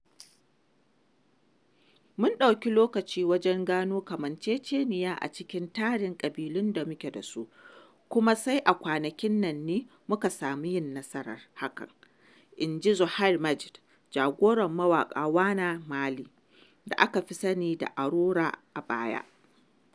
“Mun ɗauki lokaci wajen gano kamanceceniya a cikin tarin ƙabilun da muke da su, kuma sai a kwanan nan ne muka samu yin nasarar hakan,” in ji Zouheir Mejd, jagoran mawaƙan Wana Mali (da aka fi sani da Aurora a baya).